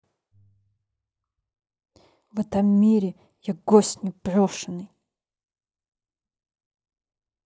в этом мире я гость непрошенный